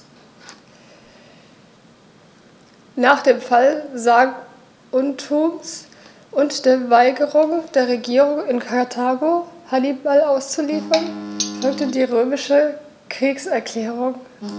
Nach dem Fall Saguntums und der Weigerung der Regierung in Karthago, Hannibal auszuliefern, folgte die römische Kriegserklärung.